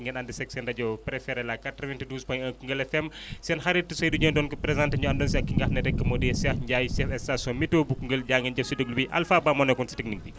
ngeen ànd seeg seen rajo préférée la 92 point 1 Koungheul FM seen xarit Seydou Dieng doon ko présenté ñu àndoon seeg ki nga xam ne rek moo di Cheikh Ndiaye chef station météo bu Koungheul jaa ngeen jëf si déglu bi Alpha Ba moo nekkoon si technique bi